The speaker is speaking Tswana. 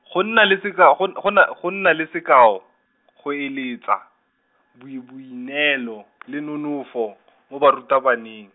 go nna le sekao, go n-, go na, go nna le sekao, g- go eletsa, boi boineelo, le nonofo , mo barutabaneng.